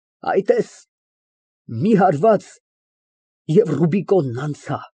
Այ, տես, մի հարված, և Ռուբիկոնն անցա։